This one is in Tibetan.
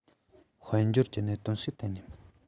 དཔལ འབྱོར གྱི གནད དོན ཞིག གཏན ནས མིན